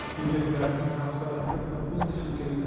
yigitlarning hafsalasi pir bo'ldi shekilli